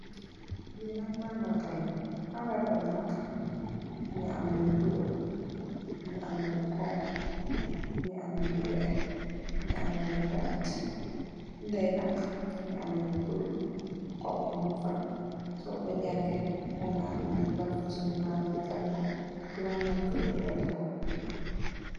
Lii nak mandarr gah la, mandarr gah bii nak mungy ameh lu bleu, mungy ameh lu khonku, mungy ameh lu wekh, mungy ameh lu vert, binda yii nak mungy ameh lu bleu, khonku mung fa, sorkor jaangeh nak danga ham lii ban fasoni mandarr gah la ak lan langh koi jeufandehkor.